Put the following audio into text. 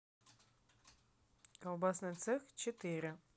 колбасный цех четыре